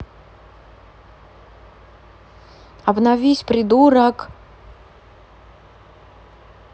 обновись придурок